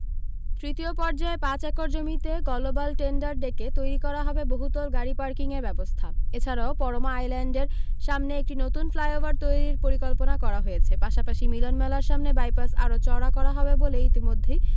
তৃতীয় পর্যায়ে পাঁচ একর জমিতে গলোবাল টেন্ডার ডেকে তৈরী করা হবে বহুতল গাড়ী পার্কিংয়ের ব্যবস্থা এছাড়াও পরমা আইল্যান্ডের সামনে একটি নতুন ফ্লাইওভার তৈরীর পরিকল্পনা করা হয়েছে পাশাপাশি মিলনমেলার সামনে বাইপাস আরও চওড়া করা হবে বলেও ইতিমধ্যেই